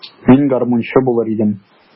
Мин гармунчы булыр идем.